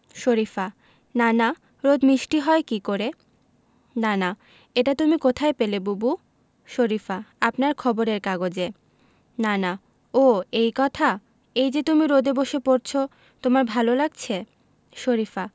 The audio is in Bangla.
শরিফা নানা রোদ মিষ্টি হয় কী করে নানা এটা তুমি কোথায় পেলে বুবু শরিফা আপনার খবরের কাগজে নানা ও এই কথা এই যে তুমি রোদে বসে পড়ছ তোমার ভালো লাগছে শরিফা